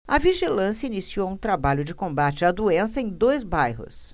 a vigilância iniciou um trabalho de combate à doença em dois bairros